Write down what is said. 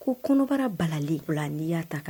Ko kɔnɔbara balalen n'i y'a ta